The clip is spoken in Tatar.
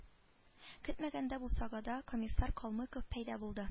Көтмәгәндә бусагада комиссар калмыков пәйда булды